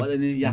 waɗa ni yaaha